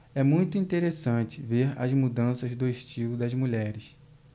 é muito interessante ver as mudanças do estilo das mulheres